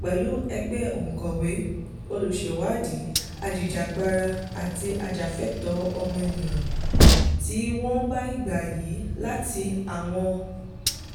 Pẹ̀lú ẹgbẹ́ òǹkọ̀wé, olùṣèwádìí, ajìjàgbara àti ajàfẹ́ẹtọ̀ọ́ ọmọnìyàn tí wọ́n ń bá ìgbà yí láti àwọn